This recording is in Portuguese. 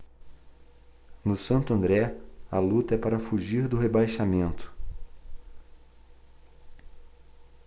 no santo andré a luta é para fugir do rebaixamento